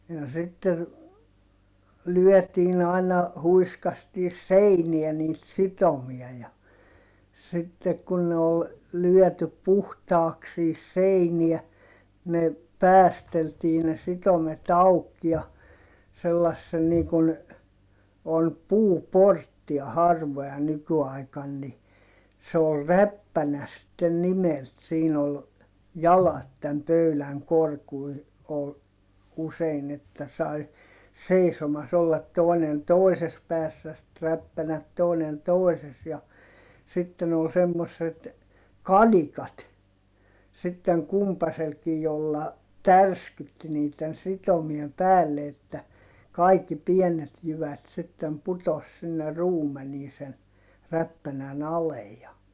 ja sitten lyötiin aina huiskastiin seinään niitä sitomia ja sitten kun ne oli lyöty puhtaaksi siihen seinään ne päästeltiin ne sitomet auki ja sellaisen niin kun on puuporttia harvoja nykyaikana niin se oli räppänä sitten nimeltään siinä oli jalat tämän pöydän korkuinen oli usein että sai seisomassa olla toinen toisessa päässä sitten räppänät toinen toisessa ja sitten oli semmoiset kalikat sitten kumpaisellakin jolla tärskytti niiden sitomien päälle että kaikki pienet jyvät sitten putosi sinne ruumeniin sen räppänän alle ja